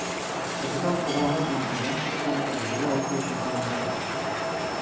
Капитан кабаланып машинадан чыкты, йөгерә-атлый чардуганга таба китте.